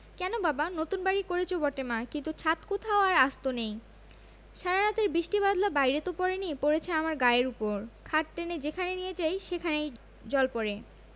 কেন বাবা নতুন বাড়ি করেচ বটে মা কিন্তু ছাত কোথাও আর আস্ত নেই সারা রাতের বৃষ্টি বাদল বাইরে ত পড়েনি পড়েচে আমার গায়ের উপর খাট টেনে যেখানে নিয়ে যাই সেখানেই জলপড়ে